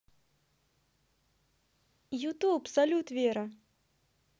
youtube салют вера